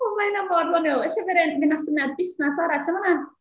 O ma' hynna mor ddoniol! Ella fydd raid i ni gael syniad busnes arall yn fan'na?